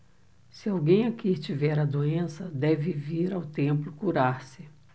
se alguém aqui tiver a doença deve vir ao templo curar-se